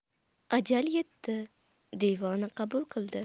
ajal yetdi devona qabul qildi